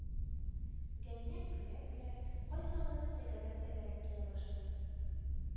Гәннән көлә-көлә, кайсылары тәгәрәп-тәгәрәп китә башлый